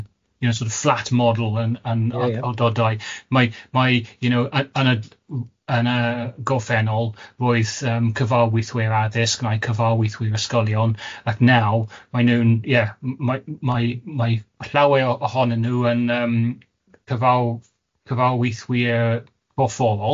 Ie sort of flat model yn yn awdodau mae mae you know yy yn y yn y goffennol roedd yym cyfarwythwyr addysg na'u cyfarwythwyr ysgolion ac nawr mae'n nhw'n ie m- m- mae mae llawer ohonyn nhw yn yym cyfar- cyfarwythwyr gorfforol.